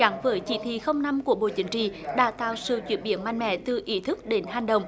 gắn với chỉ thị không năm của bộ chính trị đã tạo sự chuyển biến mạnh mẽ từ ý thức đến hành động